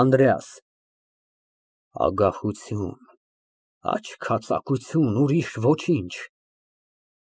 ԱՆԴՐԵԱՍ ֊ Ագահություն, աչքածակություն, ուրիշ ոչինչ։